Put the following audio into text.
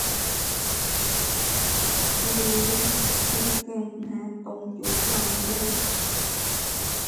ก็ดีอยู่ สิได้แจ้งปัญหาตรงจุด เว้าไปเลย